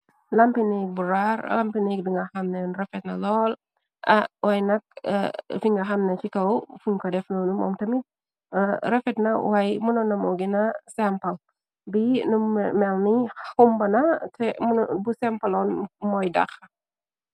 Lampinig bu rar lampinig di nga xanneenu refetna oo waay nak fi nga xanna ci kaw fuñ ko defnoonu moom tami refetna waay mëno namo gina sempal bi nu melni humbana te bu sempaloon mooy daxa.